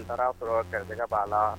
N taara sɔrɔ kɛrisigɛ b'a la